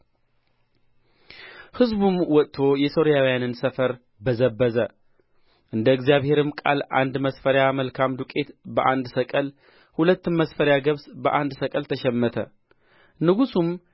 ሕዝቡም ወጥቶ የሶርያውያንን ሰፈር በዘበዘ እንደ እግዚአብሔርም ቃል አንድ መስፈሪያ መልካም ዱቄት በአንድ ሰቅል ሁለትም መስፈሪያ ገብስ በአንድ ሰቅል ተሸመተ ንጉሡም